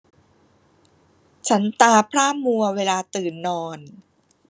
ฉันตาพร่ามัวเวลาตื่นนอน